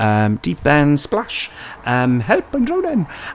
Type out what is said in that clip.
Um deep end, splash, um help I'm drownin'!